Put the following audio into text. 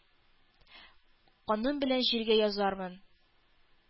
Каным белән җиргә язармын».